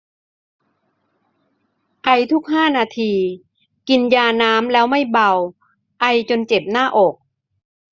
ไอทุกห้านาทีกินยาน้ำแล้วไม่เบาไอจนเจ็บหน้าอก